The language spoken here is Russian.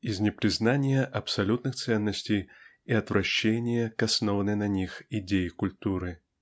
из непризнания абсолютных ценностей и отвращения к основанной на них идее культуры.